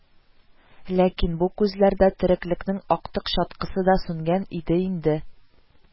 Ләкин бу күзләрдә тереклекнең актык чаткысы да сүнгән иде инде